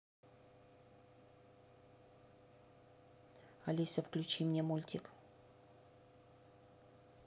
алиса включи мне мультик